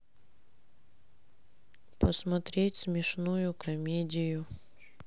посмотреть смешную комедию